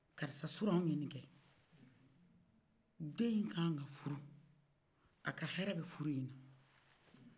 karisa surɔ an kun ɲe ni kɛ den ɲi ka kan furu a ka hɛrɛ bɛ furu ɲi nan